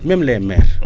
même les maires